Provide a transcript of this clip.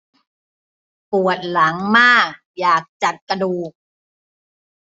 ปวดหลังมากอยากจัดกระดูก